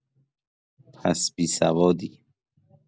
پس بی‌سوادی